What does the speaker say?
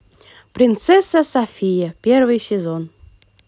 принцесса софия первый сезон